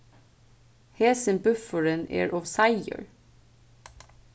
hesin búffurin er ov seigur